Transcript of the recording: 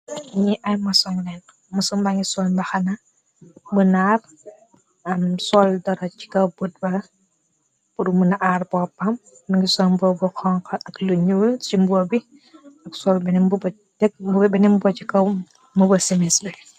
Ni ay masong len mësumba ngi sol baxana bënaar am sol dara ci kaw btb muna aar boppam mi ngi som boobu kank ak lu ñuul ci mboo bi ak sol benem bo ci kaw mu ba simis bi.